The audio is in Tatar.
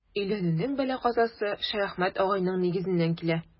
Өйләнүнең бәла-казасы Шәяхмәт агайның нигезеннән килә.